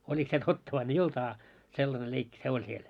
oliko se totta vai ei - ollut a sellainen leikki se oli siellä